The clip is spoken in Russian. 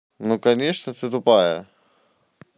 ну конечно ты тупая